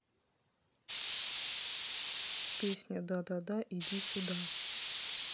песня да да да иди сюда